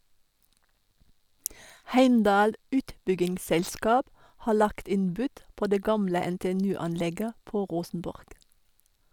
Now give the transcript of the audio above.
Heimdal utbyggingsselskap har lagt inn bud på det gamle NTNU-anlegget på Rosenborg.